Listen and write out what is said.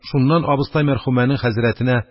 Шуннан абыстай мәрхүмәнең хәзрәтенә